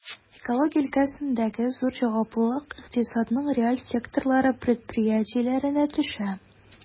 Экология өлкәсендәге зур җаваплылык икътисадның реаль секторлары предприятиеләренә төшә.